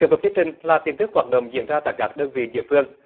tiếp tục chương trình là tin tức hoạt động diễn ra tại các đơn vị địa phương